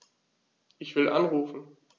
Ich will anrufen.